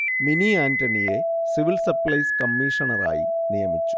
mini ആന്റണിയെ civil supplies കമീഷണറായി നിയമിച്ചു